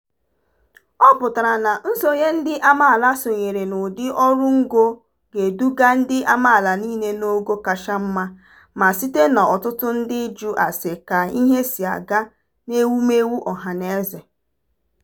Ọ pụtara na nsonye ndị amaala sonyere n'ụdị ọrụ ngo ga-eduga ndị amaala niile n'ogo kacha mma ma site na ọtụtụ ndị ịjụ ase ka ihe si aga n'ewumewu ọhanaeze.